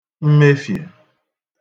mmefie